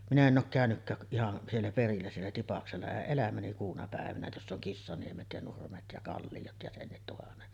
minä en ole käynytkään - ihan siellä perillä siellä Tipaksella en elämäni kuuna päivänä jossa on Kissaniemet ja Nurmet ja Kalliot ja senkin tuhannet